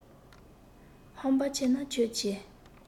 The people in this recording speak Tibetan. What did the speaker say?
ཧམ པ ཆེ ན ཁྱོད ཆེ